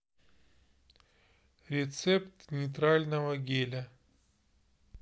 рецепт нейтрального геля